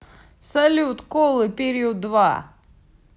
салют колы период два